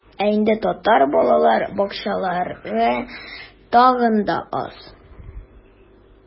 Ә инде татар балалар бакчалары тагын да аз.